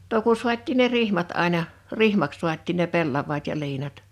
no kun saatiin ne rihmat aina rihmaksi saatiin ne pellavat ja liinat